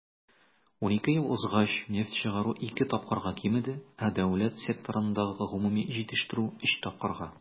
12 ел узгач нефть чыгару ике тапкырга кимеде, ә дәүләт секторындагы гомуми җитештерү - өч тапкырга.